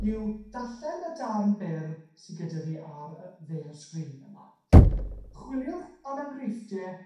yw darllen y darn byr sy gyda fi ar yy dde y sgrîn yma chwiliwch am enghreifftie